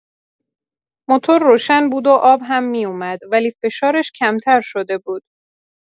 موتور روشن بود و آب هم می‌اومد، ولی فشارش کمتر شده بود.